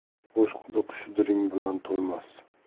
bo'sh quduq shudring bilan to'lmas